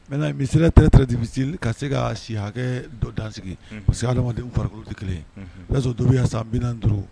N misi sira tɛ ttibisiri ka se ka si hakɛ dɔ dan sigi u se ha adamadamaden farikolodi kelen o y'a sɔrɔ duuru' san bin duuru